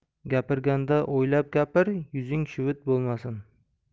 gapirganda o'ylab gapir yuzing shuvit bo'lmasin